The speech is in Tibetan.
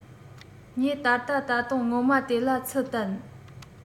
ངས ད ལྟ ད དུང སྔོན མ དེ ལ ཚུལ བསྟན